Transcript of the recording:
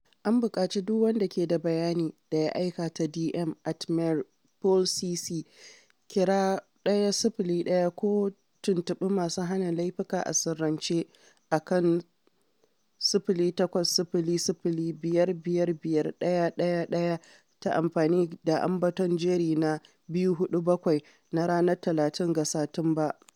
An buƙaci duk wanda ke da bayani da ya aika ta DM @MerPolCC, kira 101 ko tuntuɓi masu hana laifuka a sirrince a kan 0800 555 111 ta amfani da ambaton jeri na 247 na ranar 30 ga Satumba.